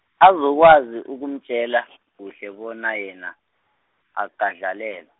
azokwazi ukumtjela , kuhle bona yena, akadlalelwa.